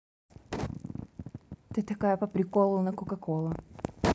ты такая по приколу на coca cola